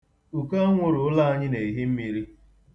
Ukoanwụrụ ụlọ anyị na-ehi mmiri.